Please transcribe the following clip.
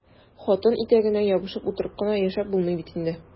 Хатын итәгенә ябышып утырып кына яшәп булмый бит инде!